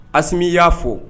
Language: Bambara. A' i y'a fɔ